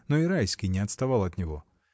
но и Райский не отставал от него.